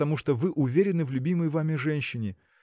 потому что вы уверены в любимой вами женщине